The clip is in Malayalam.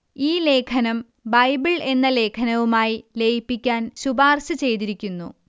ഈ ലേഖനം ബൈബിൾ എന്ന ലേഖനവുമായി ലയിപ്പിക്കാന് ശുപാര്ശ ചെയ്തിരിക്കുന്നു